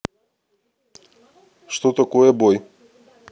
что такое бой